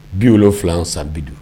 70 san 50